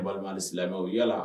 Balima silamɛ u yala